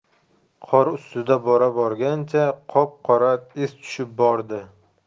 qor ustida bora borgancha qop qora iz tushib bordi